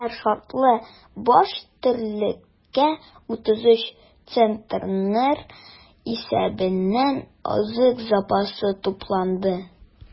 Һәр шартлы баш терлеккә 33 центнер исәбеннән азык запасы тупланды.